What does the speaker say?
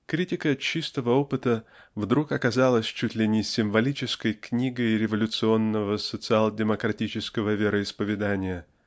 "Критика чистого опыта" вдруг оказалась чуть ли не "символической книгой" революционного социал-демократического вероисповедания.